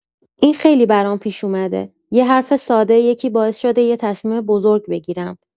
این خیلی برام پیش اومده، یه حرف ساده یکی باعث شده یه تصمیم بزرگ بگیرم.